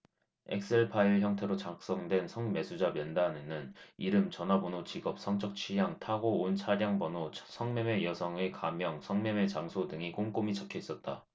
엑셀파일 형태로 작성된 성매수자 명단에는 이름 전화번호 직업 성적 취향 타고 온 차량 번호 성매매 여성의 가명 성매매 장소 등이 꼼꼼히 적혀 있었다